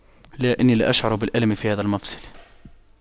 لا اني لا أشعر بالألم في هذا المفصل